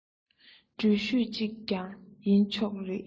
འགྲུལ བཞུད ཅིག ཀྱང ཡིན ཆོག རེད དེ